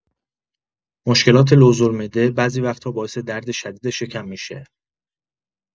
مشکلات لوزالمعده بعضی وقت‌ها باعث درد شدید شکم می‌شه.